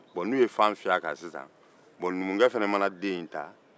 bɔn n'u ye fan fiyɛ a kan sisan numukɛ fana mana den in ta